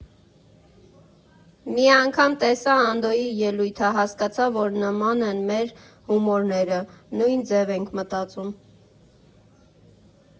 Մի անգամ տեսա Անդոյի ելույթը, հասկացա, որ նման են մեր հումորները, նույն ձև ենք մտածում։